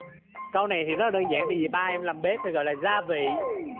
câu này thì rất là đơn giản tại vì ba em làm bếp thì gọi là gia vị